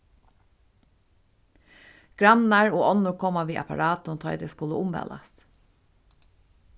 grannar og onnur koma við apparatum tá ið tey skulu umvælast